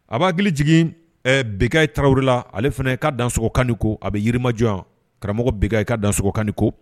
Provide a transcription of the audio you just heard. A b'a hakili jigin bɛ tarawelewrila ale fana ye ka dan sɔgɔkan ko a bɛ yirimajɔ karamɔgɔ bɛka i ka danɔgɔkan ko